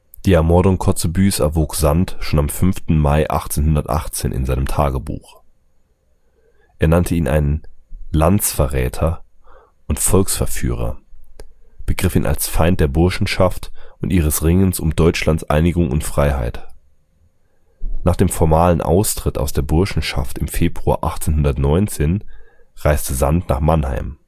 Die Ermordung Kotzebues erwog Sand schon am 5. Mai 1818 in seinem Tagebuch. Er nannte ihn einen „ Landesverräter “und „ Volksverführer “, begriff ihn als Feind der Burschenschaft und ihres Ringens um Deutschlands Einigung und Freiheit. Nach dem formalen Austritt aus der Burschenschaft im Februar 1819 reiste Sand nach Mannheim